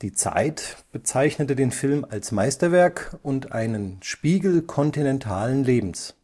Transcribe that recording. Zeit bezeichnete den Film als Meisterwerk und einen „ Spiegel kontinentalen Lebens